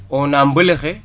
on a Mbeuleukhe